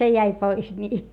se jäi pois niin